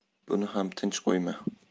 buni ham tinch qo'yma